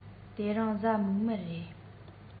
དེ རིང གཟའ མིག དམར རེད